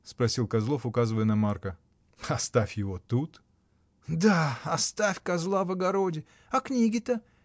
— спросил Козлов, указывая на Марка. — Оставь его тут. — Да, оставь козла в огороде! А книги-то?